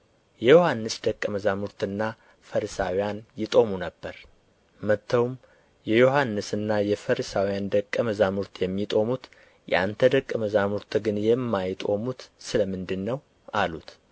የዮሐንስና የፈሪሳውያን ደቀ መዛሙርት የሚጦሙት የአንተ ደቀ መዛሙርት ግን የማይጦሙት ስለ ምንድር ነው አሉት